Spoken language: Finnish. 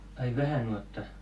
ai vähänuotta